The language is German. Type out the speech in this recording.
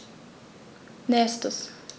Nächstes.